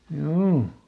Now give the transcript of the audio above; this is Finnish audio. juu